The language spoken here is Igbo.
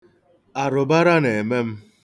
Arụbara na-eme m.